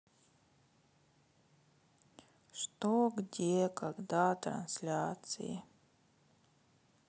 что где когда трансляции